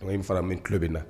N in fana min tulo bɛ na